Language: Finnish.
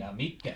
jaa mitkä